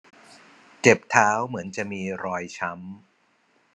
เจ็บเท้าเหมือนจะมีรอยช้ำ